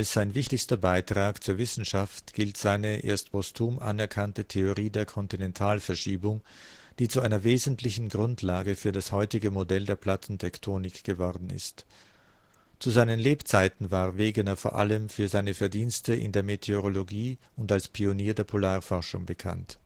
sein wichtigster Beitrag zur Wissenschaft gilt seine erst postum anerkannte Theorie der Kontinentalverschiebung, die zu einer wesentlichen Grundlage für das heutige Modell der Plattentektonik geworden ist. Zu seinen Lebzeiten war Wegener vor allem für seine Verdienste in der Meteorologie und als Pionier der Polarforschung bekannt